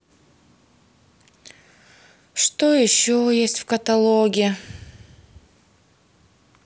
что еще есть в каталоге